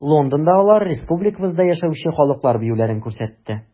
Лондонда алар республикабызда яшәүче халыклар биюләрен күрсәтте.